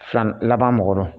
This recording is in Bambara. Filan laban mɔgɔ rɔ